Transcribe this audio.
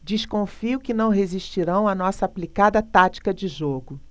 desconfio que não resistirão à nossa aplicada tática de jogo